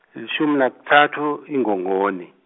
lishumi nakutsatfu Ingongoni.